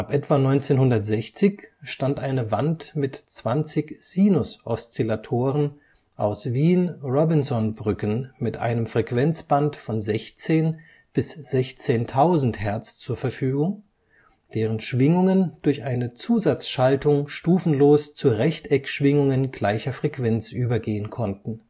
etwa 1960 stand eine Wand mit zwanzig Sinus-Oszillatoren aus Wien-Robinson-Brücken mit einem Frequenzband von 16 bis 16.000 Hertz zur Verfügung, deren Schwingungen durch eine Zusatzschaltung stufenlos zu Rechteckschwingungen gleicher Frequenz übergehen konnten